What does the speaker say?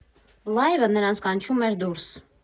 Լայվը նրանց կանչում էր դուրս։